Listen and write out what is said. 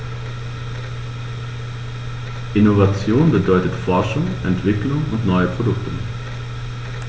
Innovation bedeutet Forschung, Entwicklung und neue Produkte.